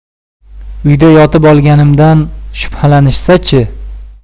uyda yotib olganimdan shubhalanishsa chi